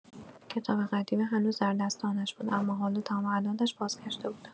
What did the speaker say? کتاب قدیمی هنوز در دستانش بود، اما حالا تمام اعدادش بازگشته بودند.